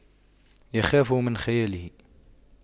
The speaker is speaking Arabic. يخاف من خياله